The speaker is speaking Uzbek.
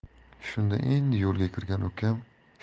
shunda endi yo'lga kirgan ukam